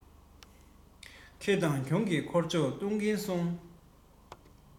ཁེ དང གྱོང གི བསྐོར ཕྱོགས གཏོང གིན སོང